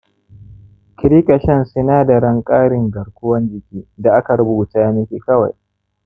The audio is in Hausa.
ki riƙa shan sinadaran karin garkuwan jiki da aka rubuta miki kawai.